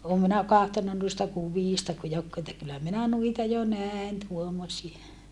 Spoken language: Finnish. olen minä katsonut noista kuvista kun joku että kyllä minä noita jo näin tuommoisia